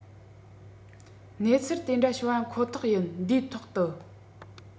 གནས ཚུལ དེ འདྲ བྱུང བ ཁོ ཐག ཡིན འདིའི ཐོག དུ